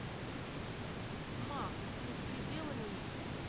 макс беспредела нет